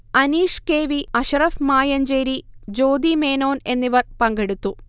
Aneesh K. V, Ashraf Mayancheri, Jyothi മേനോൻഎന്നിവർ പങ്കെടുത്തു